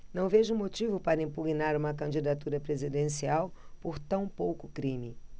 não vejo motivo para impugnar uma candidatura presidencial por tão pouco crime